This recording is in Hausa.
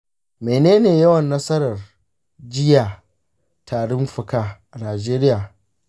mene ne yawan nasarar jiyyar tarin fuka a najeriya?